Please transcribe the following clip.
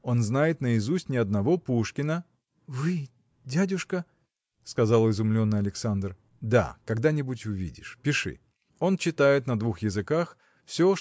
он знает наизусть не одного Пушкина. – Вы, дядюшка? – сказал изумленный Александр. – Да, когда-нибудь увидишь. Пиши Он читает на двух языках все